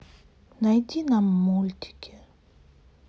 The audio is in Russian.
найди нам мультики